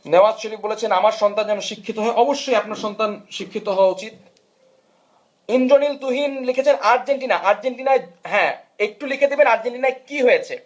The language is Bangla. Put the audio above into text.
নেওয়াজ শরিফ বলেছেন আমার সন্তান যেন শিক্ষিত হয় অবশ্যই আপনার সন্তান শিক্ষিত হওয়া উচিত ইন্দ্রনিল তুহিন লিখেছেন আর্জেন্টিনা আর্জেন্টিনা হ্যাঁ একটু লিখে দিবেন আর্জেন্টিনায় কি হয়েছে